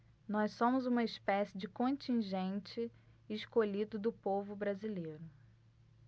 nós somos uma espécie de contingente escolhido do povo brasileiro